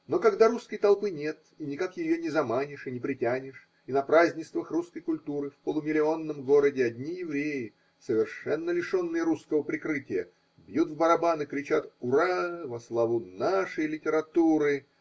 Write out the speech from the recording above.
Но когда русской толпы нет и никак ее не заманишь и не притянешь, и на празднествах русской культуры в полумиллионном городе одни евреи, совершенно лишенные русского прикрытия, бьют в барабан и кричат ура во славу нашей литературы.